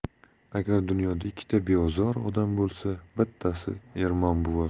agar dunyoda ikkita beozor odam bo'lsa bittasi ermon buva